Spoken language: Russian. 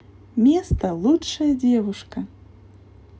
места лучшая девушка